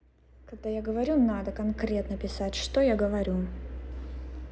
когда я говорю надо конкретно писать что я говорю